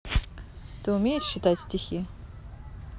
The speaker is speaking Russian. ты умеешь читать стихи